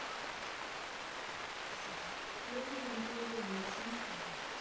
resident evil восемь